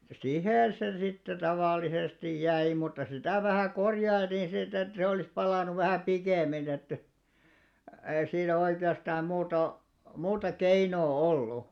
siihen se sitten tavallisesti jäi mutta sitä vähän korjailtiin sitten että se olisi palanut vähän pikemmin että ei siinä oikeastaan muuta muuta keinoa ollut